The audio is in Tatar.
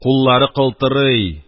Куллары калтырый,